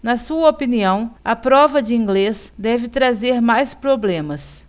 na sua opinião a prova de inglês deve trazer mais problemas